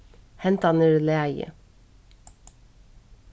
hendan er í lagi